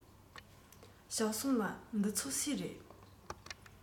ཞའོ སུང ལགས འདི ཚོ སུའི རེད